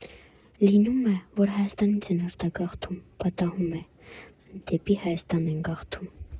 Լինում է, որ Հայաստանից են արտագաղթում, պատահում է՝ դեպի Հայաստան են գաղթում։